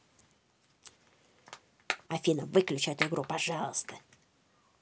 афина выключи эту игру пожалуйста